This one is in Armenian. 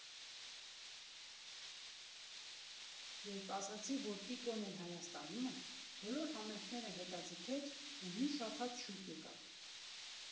Երբ ասացի, որ Տիկոն էլ Հայաստանում է, բոլոր համերգները հետաձգեց ու մի շաբաթ շուտ եկավ։